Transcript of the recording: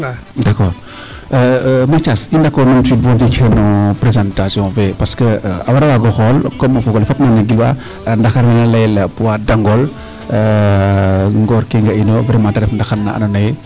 d' accord Mathiase i ndako numtu wiid bo ndiik no presentation fee parce que a wara waago xool comme fogole fop na nan gilwaa ndaxar ne naa leyel poids Dangol ngoor ke nge'inoyo vraiment te ref ndaxar na ando naye